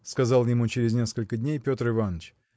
– сказал ему через несколько дней Петр Иваныч.